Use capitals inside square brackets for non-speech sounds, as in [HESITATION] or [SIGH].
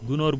[HESITATION] [HESITATION]